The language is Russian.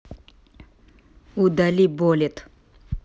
удали болет